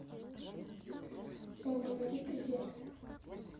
о говори привет